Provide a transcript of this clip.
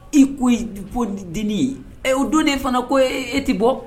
I ko i ko ni dennin in. ɛ o dɔnnen fana, ko e tɛ bɔ.